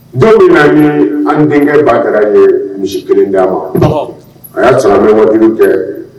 Don na ni an denkɛba kɛra ye misi kelen di a ma a y'a sɔrɔ bɛ wa jugu kɛ